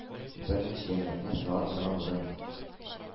Берничә мәгънә сала торган урын.